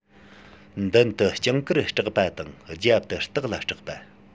མདུན དུ སྤྱང ཀིར སྐྲག པ དང རྒྱབ ཏུ སྟག ལ སྐྲག པ